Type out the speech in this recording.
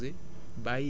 mun nga ko ci sotti